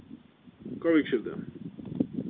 gott vikuskifti